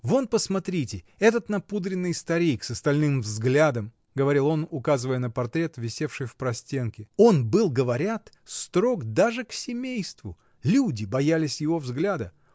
Вот посмотрите, этот напудренный старик с стальным взглядом, — говорил он, указывая на портрет, висевший в простенке, — он был, говорят, строг даже к семейству, люди боялись его взгляда.